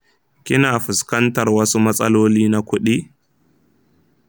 kina fuskantar wasu matsaloli na kudi?